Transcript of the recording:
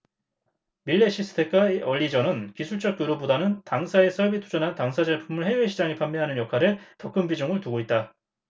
밀레시스텍과 얼리젼은 기술적 교류 보다는 당사에 설비 투자나 당사 제품을 해외시장에 판매하는 역할에 더 큰 비중을 두고 있다